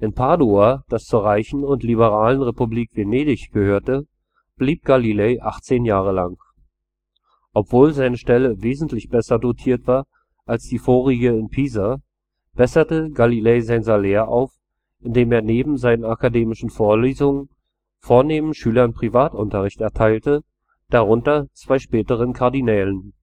Padua, das zur reichen und liberalen Republik Venedig gehörte, blieb Galilei 18 Jahre lang. Obwohl seine Stelle wesentlich besser dotiert war als die vorige in Pisa, besserte Galilei sein Salär auf, indem er neben seinen akademischen Vorlesungen vornehmen Schülern Privatunterricht erteilte, darunter zwei späteren Kardinälen